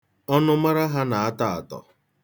Ọnụmara ha na-atọ atọ.